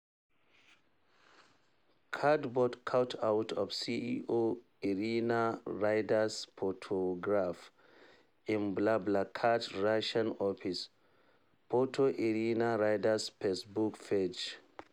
Cardboard cutout of CEO Irina Reyder's photograph in BlaBlaCar's Russian office. Photo Irina Reyder's Facebook page